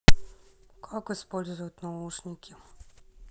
как используют наушники